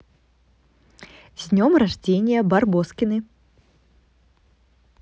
с днем рождения барбоскины